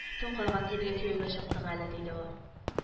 Тон калган иргә кияүгә чыктың әле диде ул